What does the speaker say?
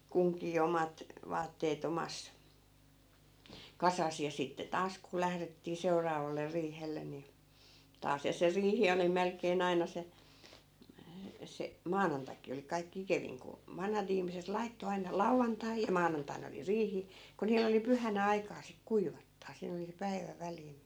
kunkin omat vaatteet omassa kasassa ja sitten taas kun lähdettiin seuraavalle riihelle niin taas ja se riihi oli melkein aina se se maanantaikin oli kaikkein ikävin kun vanhat ihmiset laittoi aina lauantaina ja maanantaina oli riihi kun niillä oli pyhänä aikaa sitten kuivattaa siinä oli se päivä väliin